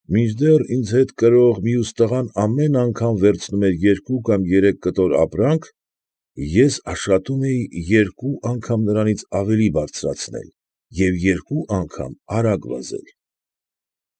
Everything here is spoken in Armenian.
Մինչդեռ ինձ հետ կրող մյուս տղան ամեն անգամ վերցնում էր երկու կամ երեք կտոր ապրանք ես աշխատում էի երկու անգամ նրանից ավելի բարձրացնել և երկու անգամ արագ վազել։